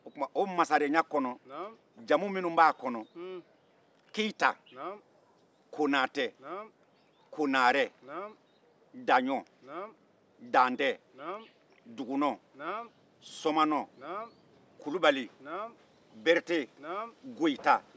o masarenya kɔnɔ jamu minnu b'a kɔnɔ keyita konatɛ konarɛ daɲɔn dantɛ dugunɔn somanɔn kulubali berete goyita